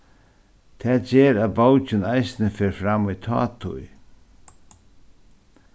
tað ger at bókin eisini fer fram í tátíð